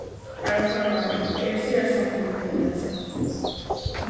harra formaður eg eri sera samdur við poul jensen